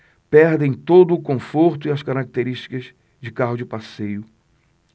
perdem todo o conforto e as características de carro de passeio